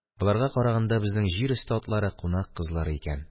Боларга караганда безнең җир өсте атлары кунак кызлары икән.